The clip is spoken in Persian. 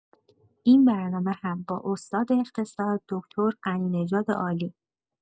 این برنامه هم با استاد اقتصاد دکتر غنی‌نژاد عالی؟